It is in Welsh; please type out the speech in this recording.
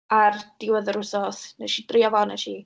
Ar diwedd yr wsos wnes i drio fo, wnes i...